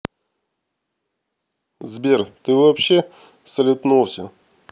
сбер ты вообще салют нулся